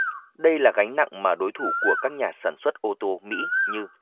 đây là gánh nặng mà đối thủ của các nhà sản xuất ô tô mỹ như